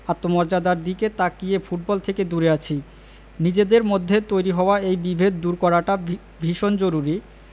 আত্মমর্যাদার দিকে তাকিয়ে ফুটবল থেকে দূরে আছি নিজেদের মধ্যে তৈরি হওয়া এই বিভেদ দূর করাটা ভীষণ জরুরি